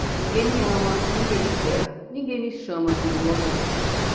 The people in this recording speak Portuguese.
ninguém me ama ninguém me quer ninguém me chama de meu amor